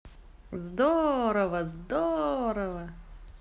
здорово здорово